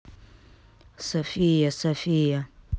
софия софия